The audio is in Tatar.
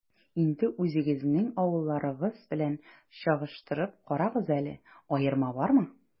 Инде үзегезнең авылларыгыз белән чагыштырып карагыз әле, аерма бармы?